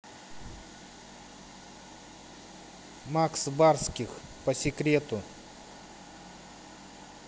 макс барских по секрету